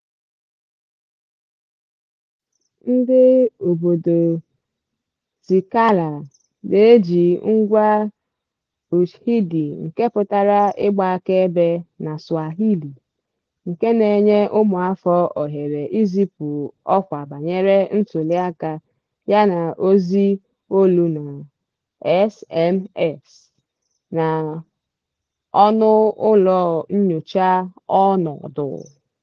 The Eye of the Citizen na Txeka-lá na-eji ngwa Ushahidi (nke pụtara "ịgba akaebe" na Swahili), nke na-enye ụmụafọ ohere izipụ ọkwa banyere ntuliaka, yana ozi olu na SMS, na "ọnụụlọ nnyocha ọnọdụ".